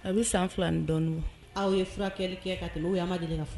A bɛ san fila dɔn aw ye furakɛli kɛ ka kɛ o ye ma deli ka fɔ